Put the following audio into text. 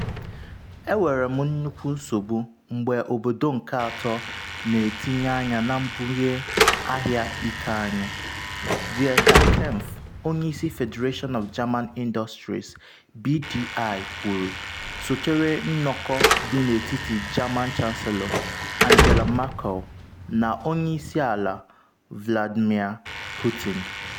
“Enwere m nnukwu nsogbu mgbe obodo nke atọ n’etinye anya na mbunye ahịa ike anyị,” Dieter Kempf onye isi Federation of German Industries (BDI) kwuru, sotere nnọkọ dị n’etiti German Chancellor Angela Merkel na Onye Isi Ala Vladmir Putin.